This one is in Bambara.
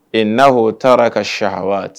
Inahu tɔraka sahawat